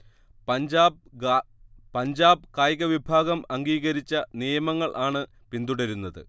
പഞ്ചാബ് കായികവിഭാഗം അംഗീകരിച്ച നിയമങ്ങൾ ആണ് പിന്തുടരുന്നത്